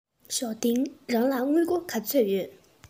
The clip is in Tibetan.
ཞའོ ཏིང རང ལ དངུལ སྒོར ག ཚོད ཡོད